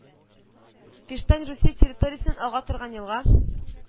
Пиштань Русия территориясеннән ага торган елга